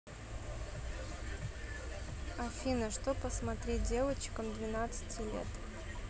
афина что посмотреть девочкам двенадцати лет